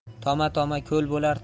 toma toma ko'l bo'lar